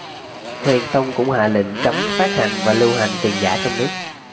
huyền tông cũng hạ lệnh cấm phát hành và lưu hành tiền giả trong nước